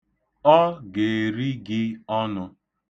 Ọ ga-eri gị ọnụ.